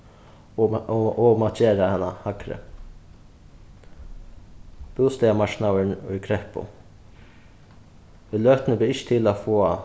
og um at gera hana hægri bústaðarmarknaðurin í kreppu í løtuni ber ikki til at fáa